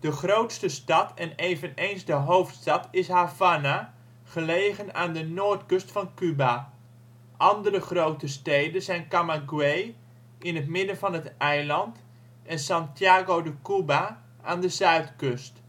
grootste stad en eveneens de hoofdstad is Havana (La Habana), gelegen aan de noordkust van Cuba. Andere grote steden zijn Camagüey in het midden van het eiland en Santiago de Cuba, aan de zuidkust